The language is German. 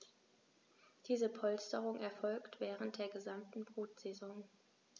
Diese Polsterung erfolgt während der gesamten Brutsaison.